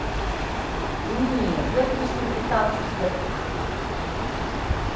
нет я люблю смотреть танцы тверк